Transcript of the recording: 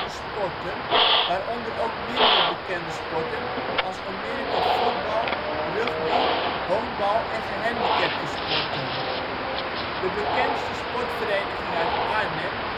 sporten, waaronder ook minder bekende sporten als American football, Rugby, Honkbal en gehandicaptensporten. De bekendste sportvereniging uit Arnhem